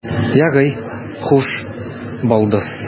Ярый, хуш, балдыз.